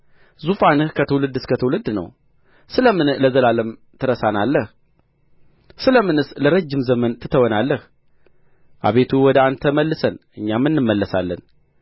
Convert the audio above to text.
ዙፋንህ ከትውልድ እስከ ትውልድ ነው ስለ ምን ለዘላለም ትረሳናለህ ስለ ምንስ ለረጅም ዘመን ትተወናለህ አቤቱ ወደ አንተ መልሰን እኛም እንመለሳለን